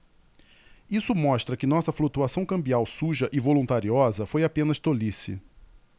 isso mostra que nossa flutuação cambial suja e voluntariosa foi apenas tolice